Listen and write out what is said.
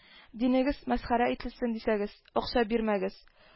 Динегез мәсхәрә ителсен дисәгез, акча бирмәгез